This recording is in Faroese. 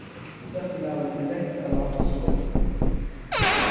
og dótturmaðurin er langt av landi skotin